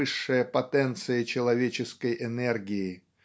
высшая потенция человеческой энергии